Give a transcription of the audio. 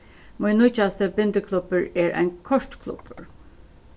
mín nýggjasti bindiklubbur er ein kortklubbur